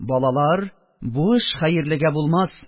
Балалар, бу эш хәерлегә булмас!!